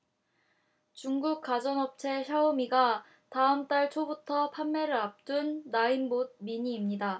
중국 가전업체 샤오미가 다음 달 초부터 판매를 앞둔 나인봇 미니입니다